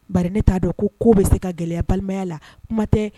Ba ne t'a dɔn ko ko bɛ se ka gɛlɛya balimaya la kuma tɛ